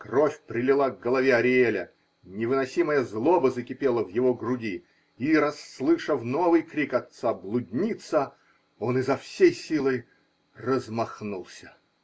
Кровь прилила к голове Ариэля, невыносимая злоба закипела в его груди и, расслышав новый крик отца: "блудница!", он изо всей силы размахнулся.